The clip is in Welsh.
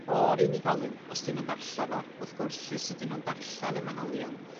o'r unigolyn os 'dyn nhw'n ddarllan o wrth gwrs 'lly os ydyn nhw'n darllan y manylion.